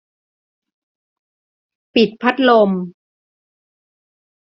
ปิดพัดลม